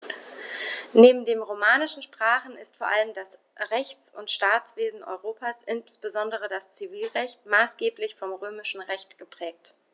Neben den romanischen Sprachen ist vor allem das Rechts- und Staatswesen Europas, insbesondere das Zivilrecht, maßgeblich vom Römischen Recht geprägt.